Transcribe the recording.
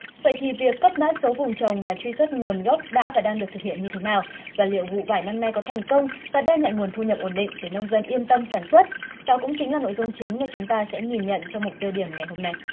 vậy thì việc cấp mã số vùng trồng và truy xuất nguồn gốc đã và đang được thực hiện như thế nào và liệu vụ vải năm nay có thành công và đem lại nguồn thu nhập ổn định để nông dân yên tâm sản xuất đó cũng chính là nội dung chính mà chúng ta sẽ nhìn nhận cho mục tiêu điểm ngày hôm nay